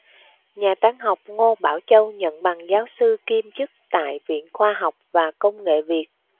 nhà toán học ngô bảo châu nhận bằng giáo sư kiêm chức tại viện khoa học và công nghệ việt